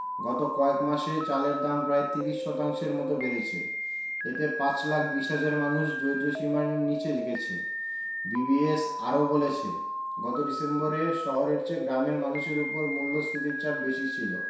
গত কয়েক মাসে চালের দাম প্রায় ৩০ শতাংশের মতো বেড়েছে এতে ৫ লাখ ২০ হাজার মানুষ দারিদ্র্যসীমার নিচে গেছে বিবিএস আরও বলছে গত ডিসেম্বরে শহরের চেয়ে গ্রামের মানুষের ওপর মূল্যস্ফীতির চাপ বেশি ছিল